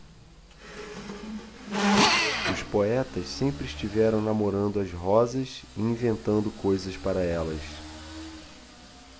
os poetas sempre estiveram namorando as rosas e inventando coisas para elas